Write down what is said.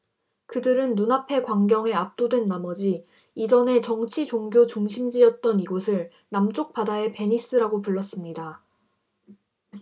그들은 눈앞의 광경에 압도된 나머지 이전에 정치 종교 중심지였던 이곳을 남쪽 바다의 베니스라고 불렀습니다